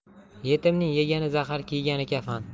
yetimning yegani zahar kiygani kafan